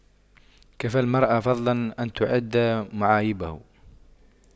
كفى المرء فضلا أن تُعَدَّ معايبه